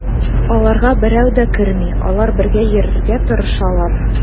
Аларга берәү дә керми, алар бергә йөрергә тырышалар.